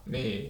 niin